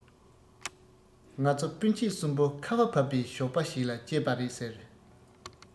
ང ཚོ སྤུན མཆེད གསུམ པོ ཁ བ བབས པའི ཞོགས པ ཞིག ལ སྐྱེས པ རེད ཟེར